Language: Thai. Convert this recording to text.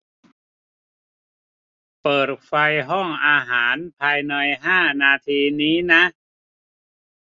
เปิดไฟห้องอาหารภายในห้านาทีนี้นะ